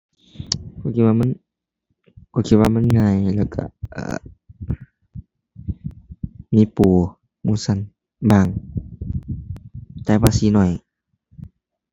จริงจริงแล้วมัน ข้อยคิดว่ามันง่าย แล้วก็ เอ่อ มีโปรโมชันบ้าง แต่ภาษีน้อย